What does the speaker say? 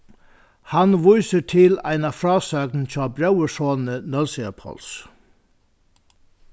hann vísir til eina frásøgn hjá bróðursoni nólsoyar páls